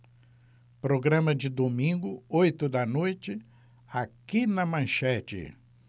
programa de domingo oito da noite aqui na manchete